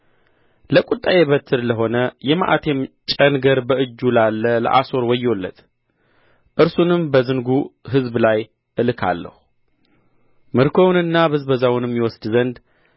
ለቍጣዬ በትር ለሆነ የመዓቴም ጨንገር በእጁ ላለ ለአሦር ወዮለት እርሱንም በዝንጉ ሕዝብ ላይ እልካለሁ ምርኮውንና ብዝበዛውንም ይወስድ ዘንድ